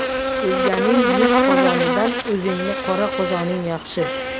o'zganing mis qozonidan o'zingni qora qozoning yaxshi